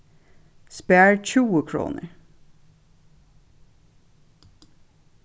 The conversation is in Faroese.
spar tjúgu krónur